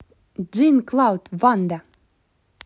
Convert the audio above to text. jean claude ванда